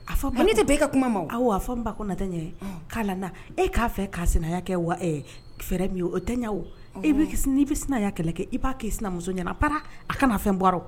A fɔ ko ne de bɛ kɛ kuma ma aw a fɔ n ba ko na tɛ ɲɛ ye k' na e k'a fɛ k'a sinaya kɛ wa fɛɛrɛ min ye o tɛ ɲɛ o bɛya kɛlɛ kɛ i b'a kɛ i sinamuso ɲɛna para a kana fɛn bɔra